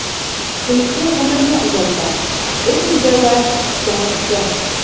Көлке гомерне озайта — бөтен дәва “Сәнәк”тә.